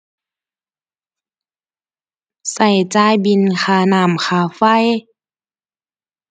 ใช้จ่ายบิลค่าน้ำ ค่าไฟ